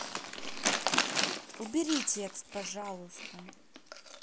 убери текст пожалуйста